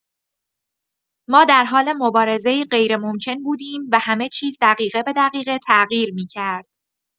ما در حال مبارزه‌ای غیرممکن بودیم و همه چیز دقیقه به دقیقه تغییر می‌کرد.